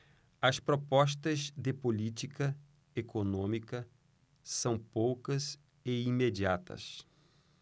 as propostas de política econômica são poucas e imediatas